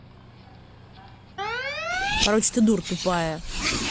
короче ты дура тупая